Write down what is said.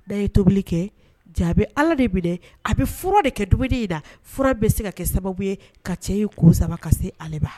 Da ye tobili kɛ jaabi ala de bɛ dɛ a bɛ fura de kɛ dugutigi in na fura bɛ se ka kɛ sababu ye ka cɛ ye kurusa ka se aleba